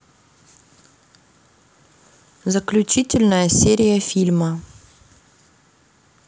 заключительная серия фильма